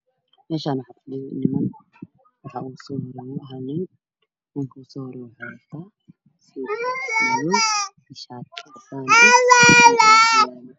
Meeshan waxaa ii muuqda niman waxay fadhiyaan xaflad waxay wataan suudaan madow bilood shaati cadaan